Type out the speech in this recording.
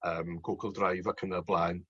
yym Google Drive ac yn y blaen